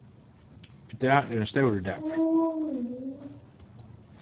í dag er ein stórur dagur